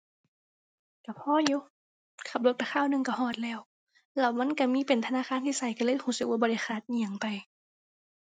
ก็พออยู่ ขับรถไปคราวหนึ่งก็ฮอดแล้ว แล้วมันก็มีเป็นธนาคารที่ก็ก็เลยก็สึกว่าบ่ได้ขาดอิหยังไป